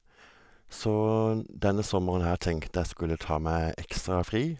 Så denne sommeren her tenkte jeg skulle ta meg ekstra fri.